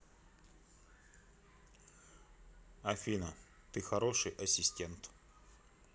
афина ты хороший ассистент